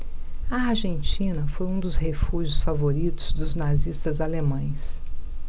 a argentina foi um dos refúgios favoritos dos nazistas alemães